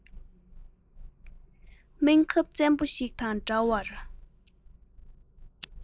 སྨན ཁབ བཙན པོ ཞིག དང འདྲ བར